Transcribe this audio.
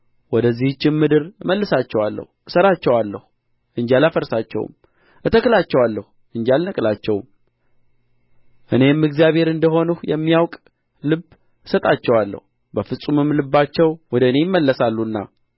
ወደዚህችም ምድር እመልሳቸዋለሁ እሠራቸዋለሁ እንጂ አላፈርሳቸውም እተክላቸዋለሁ እንጂ አልነቅላቸውም እኔም እግዚአብሔር እንደ ሆንሁ የሚያውቅ ልብ እሰጣቸዋለሁ በፍጹምም ልባቸው ወደ እኔ ይመለሳሉና